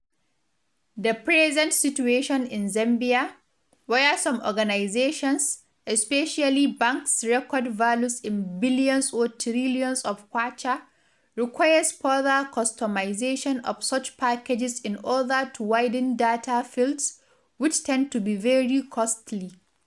The present situation in Zambia, where some organizations, especially banks record values in billions or trillions of Kwacha, requires further customization of such packages in order to widen data fields, which tend to be very costly.